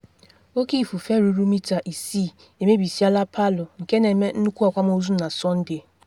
Oke ifufe ruru mita isii emebisiela Palu nke na eme nnukwu akwamozu na Sọnde.